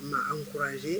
An kuranse